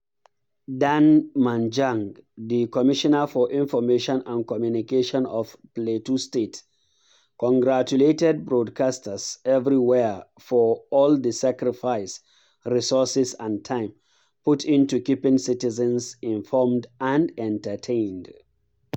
Dan Manjang, the commissioner for information and communication of Plateau state, congratulated broadcasters everywhere for "all the sacrifice, resources and time" put into keeping citizens informed and entertained: